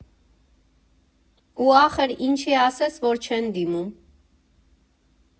Ու ախր ինչի ասես, որ չեն դիմում։